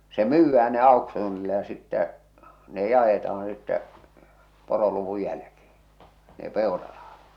se myydään ne auksuunilla ja sitten ne jaetaan sitten poroluvun jälkeen ne peurarahat